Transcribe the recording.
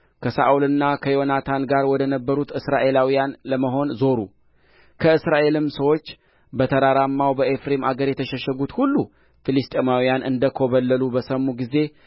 ከሳኦልና ከዮናታን ጋር ወደ ነበሩት አስራኤላውያን ለመሆን ዞሩ ከእስራኤልም ሰዎች በተራራማው በኤፍሬም አገር የተሸሸጉት ሁሉ ፍልስጥኤማውያን እንደ ኰበለሉ በሰሙ ጊዜ